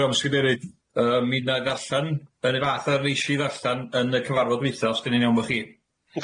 Yy diolch yn fawr iawn Mr Cadeirydd yy mi wna i ddarllan yr un fath a 'nes i ddarllan yn y cyfarfod dwytha os 'di hynny'n iawn 'fo chi?